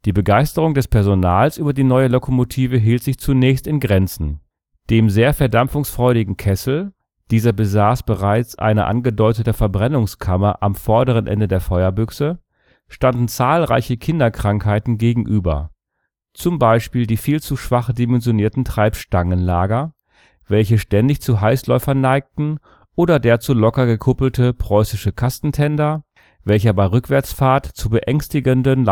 Begeisterung des Personals über die neue Lokomotive hielt sich zunächst in Grenzen: Dem sehr verdampfungsfreudigen Kessel (dieser besaß bereits eine angedeutete Verbrennungskammer am vorderen Ende der Feuerbüchse) standen zahlreiche Kinderkrankheiten gegenüber, z. B. die viel zu schwach dimensionierten Treibstangenlager, welche ständig zu Heißläufern neigten oder der zu locker gekuppelte preußische Kastentender, welcher bei Rückwärtsfahrt zu beängstigenden